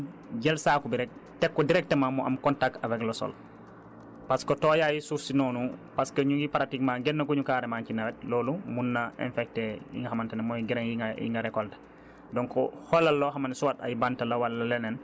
waaye bu fekkente ne si saaku tamit nga ko def moytul jël saaku bi rekk teg ko directement mu am contact avec le sol parce que tooyaayu suuf si noonu parce que ñu ngi pratiquement génnaguñu carrément si nawet loolu mën naa infecter li nga xamante ne mooy grains nga yi nga récolter